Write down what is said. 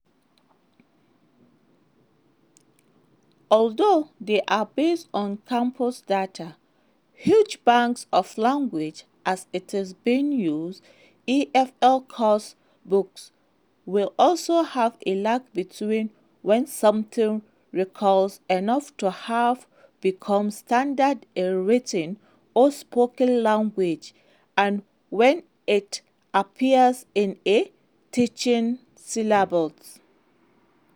Although they are based on “corpus data” — huge banks of language as it is being used — EFL course books will always have a lag between when something recurs enough to have become standard in written or spoken language and when it appears in a teaching syllabus.